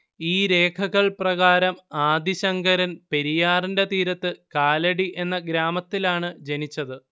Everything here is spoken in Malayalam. ഈ രേഖകള്‍ പ്രകാരം ആദി ശങ്കരന്‍ പെരിയാറിന്റെ തീരത്ത് കാലടി എന്ന ഗ്രാമത്തിലാണ് ജനിച്ചത്